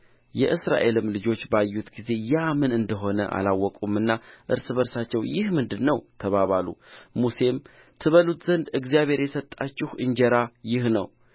የእስራኤልም ልጆች ባዩት ጊዜ ያ ምን እንደ ሆነ አላወቁምና እርስ በእርሳቸው ይህ ምንድር ነው ተባባሉ ሙሴም ትበሉት ዘንድ እግዚአብሔር የሰጣችሁ እንጀራ ነው